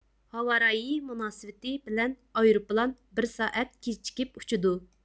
ھاۋارايى مۇناسىۋىتى بىلەن ئايروپىلان بىر سائەت كىچىكىپ ئۇچىدۇ